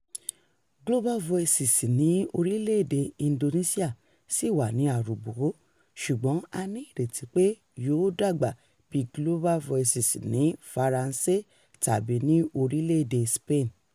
Global Voices ní orílẹ̀-èdè Indonesia sì wà ní aròbó ṣùgbọ́n a ní ìrètí pé yóò dàgbà bíi Global Voices ní Faransé tàbí ní orílẹ̀ èdè Spain.